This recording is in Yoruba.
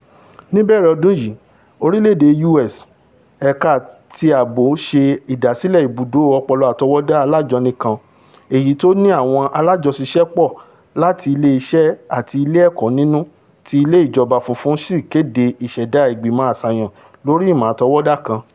Níbẹ̀rẹ̀ ọdún yìí orílẹ̀-èdè U.S. Ẹ̀ka ti Ààbò ṣe ìdásílẹ̀ Ibùdó Ọpọlọ Àtọwọdá Alájọni kan, èyití tó ní àwọn alájọ́ṣiṣẹ́pọ̀ láti ilé iṣẹ́ àti ilé ẹ̀kọ́ nínú, ti Ilé Ìjọba Funfun sì kéde ìṣẹ̀dá Ìgbìmọ̀ Àsàyàn lórí Ìmọ̀ Àtọwọ́dá kan.